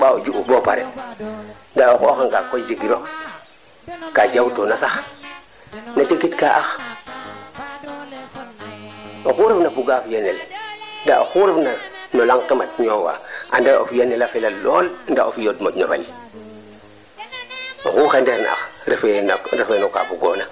i andaye daana ka kee kiina wagood na maye jeema rek fop no yiif le refu parce que o ɓasil o ɓasil refe jaambur oxu refna ko nanel ndax ax keene a ngara teela nga toom dawa den